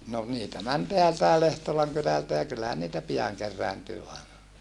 no niitä meni täältäkin Lehtolan kylältä ja kyllähän niitä pian kerääntyy aina